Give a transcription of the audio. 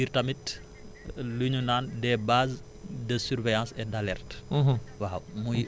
voilà am na ci biir tamit lu ñu naan des bases de surveillance et d' alerte